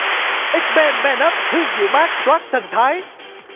ích men me nấp hương dịu mát toát thần thái